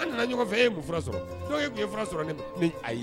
A nana ɲɔgɔnɔgɔfɛ ye mun sɔrɔ' ye sɔrɔ ni ye